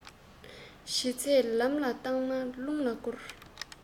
བྱས ཚད ལམ ལ བཏང ན རླུང ལ བསྐུར